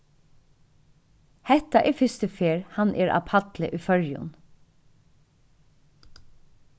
hetta er fyrstu fer hann er á palli í føroyum